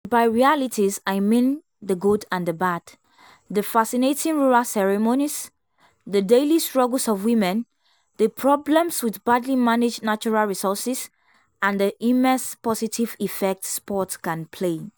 And by realities I mean the good and the bad: the fascinating rural ceremonies, the daily struggles of women, the problems with badly managed natural resources, and the immense positive effect sport can play.